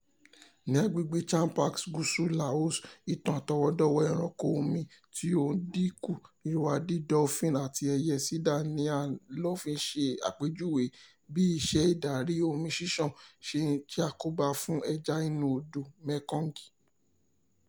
Ní agbègbè Champasak, gúúsù Laos, ìtàn àtọwọ́dọ́wọ́ọ ẹranko omi tí ó ti ń dínkù Irrawaddy dolphin àti ẹyẹ Sida ni a ń lò fi ṣe àpèjúwe bí iṣẹ́ ìdarí-omi-ṣíṣàn ṣe ń ṣe àkóbá fún ẹja inú odò Mekong.